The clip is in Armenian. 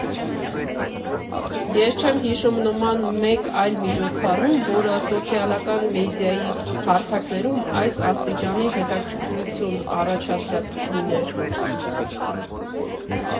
Ես չեմ հիշում նման մեկ այլ միջոցառում, որը սոցիալական մեդիայի հարթակներում այս աստիճանի հետաքրքրություն առաջացրած լիներ,